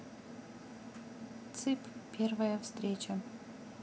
цып первая встреча